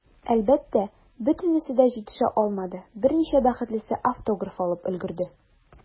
Әлбәттә, бөтенесе дә җитешә алмады, берничә бәхетлесе автограф алып өлгерде.